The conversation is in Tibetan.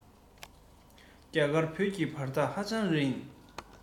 རྒྱ གར བོད ཀྱི བར ཐག ཧ ཅང རིང